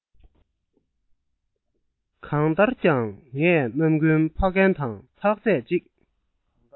གང ལྟར ཀྱང ངས རྣམ ཀུན ཕ རྒན དང ཐག ཚད ཅིག